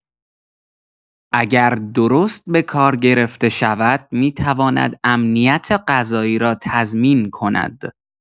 اگر درست به کار گرفته شود، می‌تواند امنیت غذایی را تضمین کند.